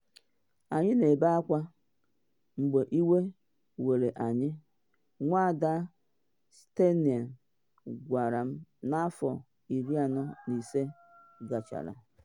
“Anyị na ebe akwa mgbe iwe were anyị,” Nwada Steinem gwara m n’afọ 45 gachara.